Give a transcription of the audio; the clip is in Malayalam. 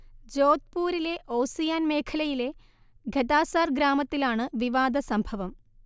ജോധ്പുരിലെ ഓസിയാൻ മേഖലയിലെ ഖെതാസർ ഗ്രാമത്തിലാണ് വിവാദസംഭവം